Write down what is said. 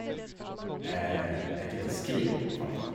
Et lite skrin fant han.